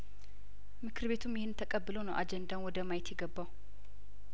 ምክር ቤቱም ይህንን ተቀብሎ ነው አጀንዳውን ወደ ማየት የገባው